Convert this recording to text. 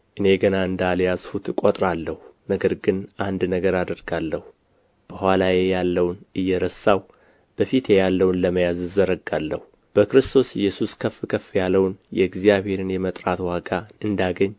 እኔ ገና እንዳልያዝሁት እቈጥራለሁ ነገር ግን አንድ ነገር አደርጋለሁ በኋላዬ ያለውን እየረሳሁ በፊቴ ያለውን ለመያዝ እዘረጋለሁ በክርስቶስ ኢየሱስ ከፍ ከፍ ያለውን የእግዚአብሔርን መጥራት ዋጋ እንዳገኝ